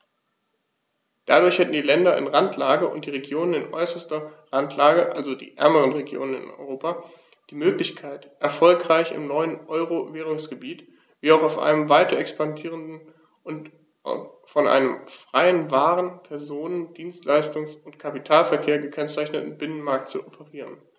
Dadurch hätten die Länder in Randlage und die Regionen in äußerster Randlage, also die ärmeren Regionen in Europa, die Möglichkeit, erfolgreich im neuen Euro-Währungsgebiet wie auch auf einem weiter expandierenden und von einem freien Waren-, Personen-, Dienstleistungs- und Kapitalverkehr gekennzeichneten Binnenmarkt zu operieren.